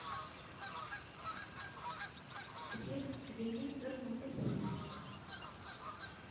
все где один пернул в бассейн